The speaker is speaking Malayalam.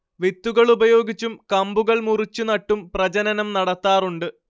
വിത്തുകളുപയോഗിച്ചും കമ്പുകൾ മുറിച്ചു നട്ടും പ്രജനനം നടത്താറുണ്ട്